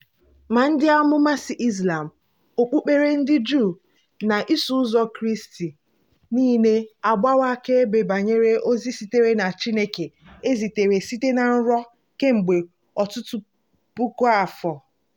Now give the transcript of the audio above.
Ma ndị amụma si Izlam, Okpukpere ndị Juu na Iso Ụzọ Kraịstị nile agbawo akaebe banyere ozi sitere na Chineke e zitere site na nrọ kemgbe ọtụtụ puku afọ.